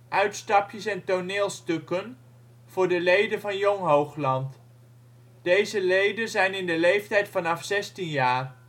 uitstapjes en toneelstukken voor de leden van Jong Hoogland. Deze leden zijn in de leeftijd vanaf 16 jaar